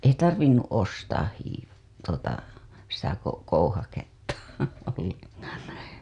ei tarvinnut ostaa - tuota sitä - kouhaketta ollenkaan